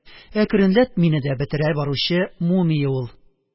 Әкренләп мине дә бетерә баручы мумия ул